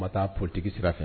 N ma taa porotigi sira fɛ